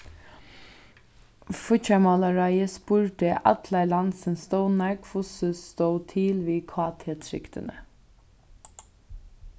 fíggjarmálaráðið spurdi allar landsins stovnar hvussu stóð til við kt-trygdini